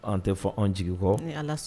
An tɛ fɔn, an jigi kɔ. N'i Ala sɔnna.